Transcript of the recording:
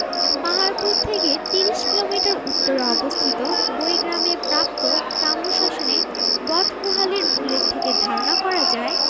পাহাড়পুর থেকে ৩০ কিলোমিটার উত্তরে অবস্থিত বৈগ্রামে প্রাপ্ত তাম্রশাসনে বটগোহালীর উল্লেখ থেকে ধারণা করা যায়